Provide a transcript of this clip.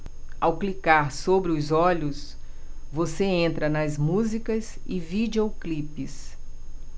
ao clicar sobre os olhos você entra nas músicas e videoclipes